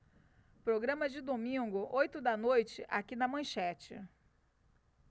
programa de domingo oito da noite aqui na manchete